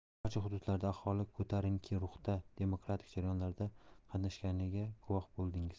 barcha hududlarda aholi ko'tarinki ruhda demokratik jarayonlarda qatnashganiga guvohi bo'ldingiz